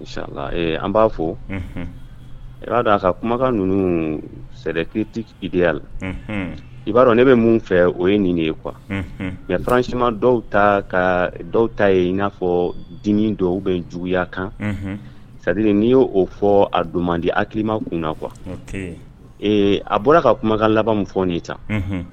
An b'a fɔ i b'a dɔn a ka kumakan ninnu sɛtiya la i b'a dɔn ne bɛ mun fɛ o ye nin de ye qu nkaransima dɔw ta dɔw ta yen i n'a fɔ dimi dɔw bɛ juguyaya kandiri n'i y'o oo fɔ a duman di hakilima kun na qu ee a bɔra ka kumakan laban fɔ nin ta